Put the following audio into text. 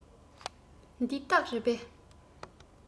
འདི སྟག རེད པས